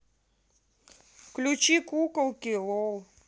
включи куколки лол